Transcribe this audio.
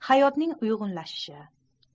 hayotning uygunlashishi